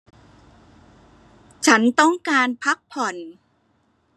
ฉันต้องการพักผ่อน